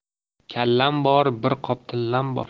kallam bor bir qop tillam bor